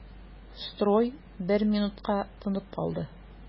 Строй бер минутка тынып калды.